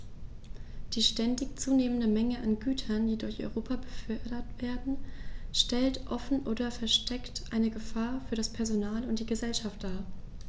Die ständig zunehmende Menge an Gütern, die durch Europa befördert werden, stellt offen oder versteckt eine Gefahr für das Personal und die Gesellschaft dar.